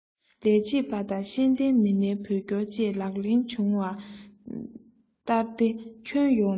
ལས བྱེད པ དང ཤེས ལྡན མི སྣའི བོད སྐྱོར བཅས ལག ལེན ཤུགས ཆེན བསྟར ཏེ ཁྱོན ཡོངས དང